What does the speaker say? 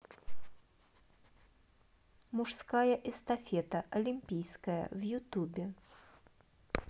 мужская эстафета олимпийская в ютубе